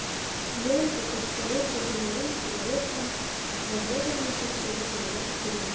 "лента.ру" һөҗүмнең сәбәбе һәм макгрегорның киләчәге турында фикер йөртә.